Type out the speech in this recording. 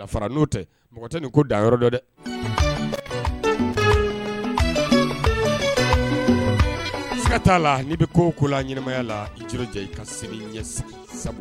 Fara n'o tɛ mɔgɔ tɛ nin ko da yɔrɔ dɛ siga t'a la n'i bɛ ko ko la ɲya la i jiri i ka segin i ɲɛ sigi